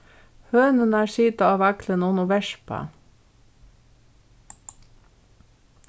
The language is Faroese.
hønurnar sita á vaglinum og verpa